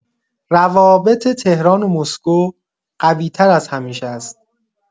روابط تهران و مسکو قوی‌تر از همیشه است.